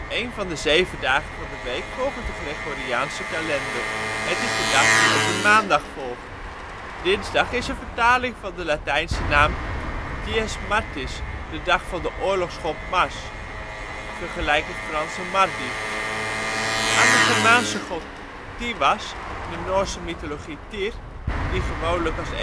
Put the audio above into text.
een van de zeven dagen van de week volgens de Gregoriaanse kalender. Het is de dag die op de maandag volgt. Dinsdag is een vertaling van de Latijnse naam dies Martis, de dag van de oorlogsgod Mars (vergelijk met het Franse mardi). Aan de Germaanse god Tiwaz (in de Noordse mythologie Tyr), die gewoonlijk als